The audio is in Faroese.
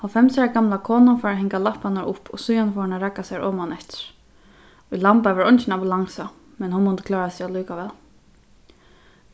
hálvfems ára gamla konan fór at hanga lapparnar upp síðani fór hon at ragga sær omaneftir í lamba var eingin ambulansa men hon mundi klára seg allíkavæl